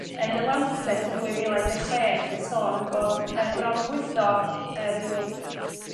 Yn y Lancet yn dwy fil a un deg chwech bydd sôn bod yy bronfwydo yn